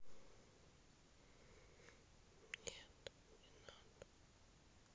нет не надо